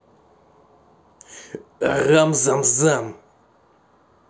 арам зам зам